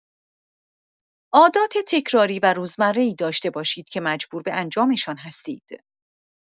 عادات تکراری و روزمره‌ای داشته باشید که مجبور به انجامشان هستید.